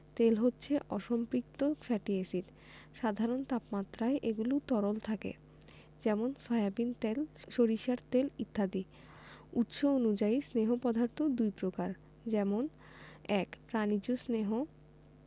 তেল হচ্ছে অসম্পৃক্ত ফ্যাটি এসিড সাধারণ তাপমাত্রায় এগুলো তরল থাকে যেমন সয়াবিন তেল সরিষার তেল ইত্যাদি উৎস অনুযায়ী স্নেহ পদার্থ দুই প্রকার যেমন ১. প্রাণিজ স্নেহ